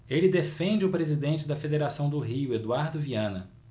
ele defende o presidente da federação do rio eduardo viana